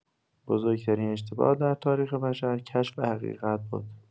بزرگ‌ترین اشتباه در تاریخ بشر، کشف حقیقت بود.